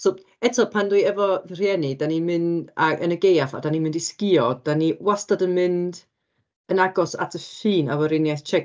So eto pan dwi efo fy rhieni, dan ni'n mynd... a yn y Gaeaf a dan ni'n mynd i sgïo dan ni wastad yn mynd yn agos at y ffin y Weriniaeth Tsiec.